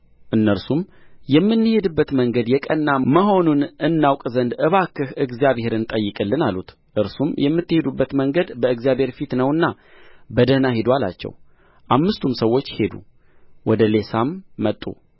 እነርሱም የምንሄድበት መንገድ የቀና መሆኑን እናውቅ ዘንድ እባክህ እግዚአብሔርን ጠይቅልን አሉት እርሱም የምትሄዱበት መንገድ በእግዚአብሔር ፊት ነውና በደኅና ሂዱ አላቸው አምስቱም ሰዎች ሄዱ ወደ ሌሳም መጡ